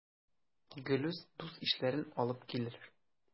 Гелүс дус-ишләрен алып килер.